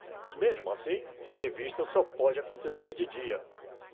mesmo assim a revista só pode acontecer de dia